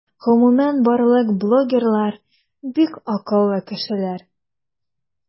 Гомумән барлык блогерлар - бик акыллы кешеләр.